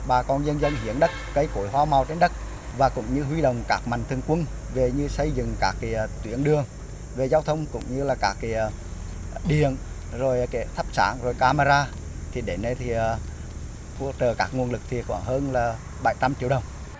bà con nhân danh hiến đất cây cối hoa màu trên đất và cũng như huy động các mạnh thường quân về như xây dựng các cái tuyến đường về giao thông cũng như là các cái điện rồi cái thắp sáng rồi ca mê ra thì đến đây thì hỗ trợ các nguồn lực hiệu quả hơn là bảy trăm triệu đồng